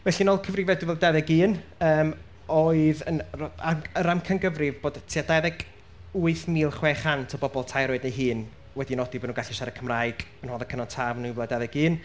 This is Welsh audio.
Felly, yn ôl cyfrifedd dwy fil dauddeg un, yym oedd yn r- ag- yr amcangyfrif bod tua dauddeg wyth mil chwe chant o bobl tair oed neu hun wedi nodi bod nhw'n gallu siarad Cymraeg yn Rhondda Cynon Taf yn nwy fil a dauddeg un,